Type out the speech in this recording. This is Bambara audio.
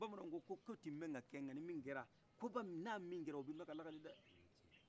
bamanan ko kow tɛmɛn ka kɛ nka ni min kɛra koba min kɛra o be mɛn ka lakale dɛ